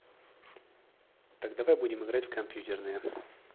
так давай будем играть в компьютерные